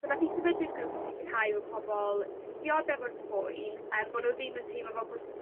So nath 'i sefydlu'r grŵp i sicirhau fo' pobol sy'n dioddef o'r poen yym bo' n'w ddim yn teimlo fel bod